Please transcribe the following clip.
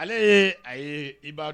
Ale ye a ye i b'a dɔn